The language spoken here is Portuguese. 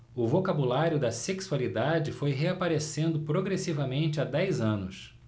o vocabulário da sexualidade foi reaparecendo progressivamente há dez anos